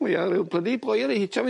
ryw blydi boi o'dd y' hitio fi...